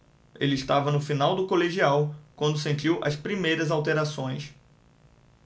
ele estava no final do colegial quando sentiu as primeiras alterações